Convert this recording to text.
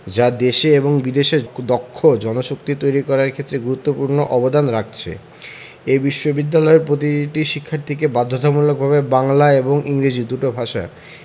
যা দেশে এবং বিদেশে দক্ষ জনশক্তি তৈরি করার ক্ষেত্রে গুরুত্বপূর্ণ অবদান রাখছে এই বিশ্ববিদ্যালয়ে প্রতিটি শিক্ষার্থীকে বাধ্যতামূলকভাবে বাংলা এবং ইংরেজি দুটো ভাষা